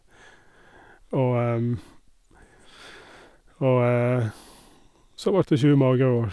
og Og så vart det sju magre år.